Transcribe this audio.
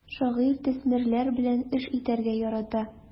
Шагыйрь төсмерләр белән эш итәргә ярата.